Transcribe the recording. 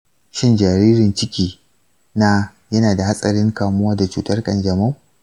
shin jaririn ciki na yana da hatsarin kamuwa da cutar kanjamau?